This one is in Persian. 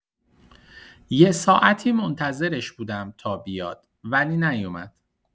یه ساعتی منتظرش بودم تا بیاد، ولی نیومد.